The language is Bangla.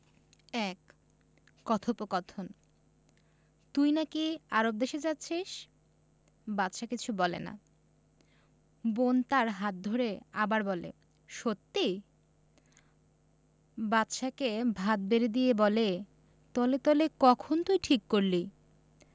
১ কথোপকথন তুই নাকি আরব দেশে যাচ্ছিস বাদশা কিছু বলে না বোন তার হাত ধরে আবার বলে সত্যি বাদশাকে ভাত বেড়ে দিয়ে বলে তলে তলে কখন তুই ঠিক করলি